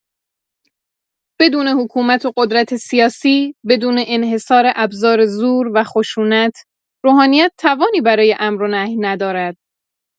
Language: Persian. بدون حکومت و قدرت سیاسی، بدون انحصار ابزار زور و خشونت، روحانیت توانی برای امر و نهی ندارد.